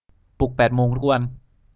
ปลุกแปดโมงทุกวัน